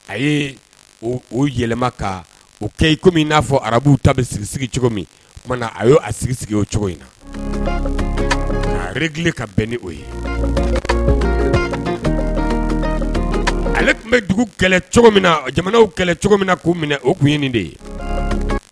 A ye o yɛlɛma ka kɛ komi min n'a fɔ arabuw ta bɛ sigi sigi cogo min a y' a sigi sigi o cogo in na a ka bɛn ni' ye ale tun bɛ dugu kɛlɛ cogo na jamanaw kɛlɛ cogo min minɛ o tun ye nin de ye